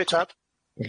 Yndi tad.